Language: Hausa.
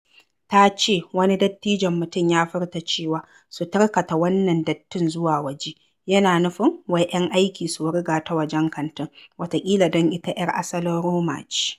Ta ce wani dattijon mutum ya furta cewa "su tarkata wannan dattin zuwa waje", yana nufin wai 'yan aiki su wurga ta wajen kantin, wataƙila don ita 'yar asalin Roma ce.